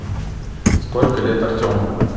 сколько лет артему